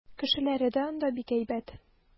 Кешеләре дә анда бик әйбәт.